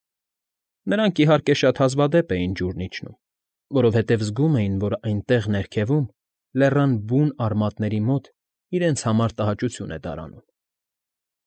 Նրանք, իհարկե, շատ հազվադեպ էին ջուրն իջնում, որովհետև զգում էին, որ այնտեղ, ներքևում, լեռան բուն արմատների մոտ իրենց համար տհաճություն է դարանում։